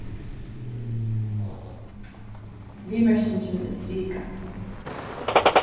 viðmerkingin er strikað